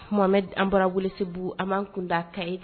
Mohamɛdi ani bɔra Welesebugu an b'an kunda kaye kan.